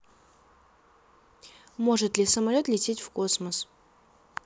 может ли самолет лететь в космос